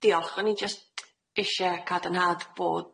Yy diolch, o'n i jyst isie cadarnhad bod,